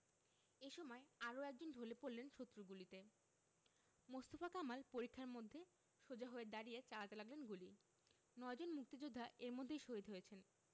এ সময় আরও একজন ঢলে পড়লেন শত্রুর গুলিতে মোস্তফা কামাল পরিখার মধ্যে সোজা হয়ে দাঁড়িয়ে চালাতে লাগলেন গুলি নয়জন মুক্তিযোদ্ধা এর মধ্যেই শহিদ হয়েছেন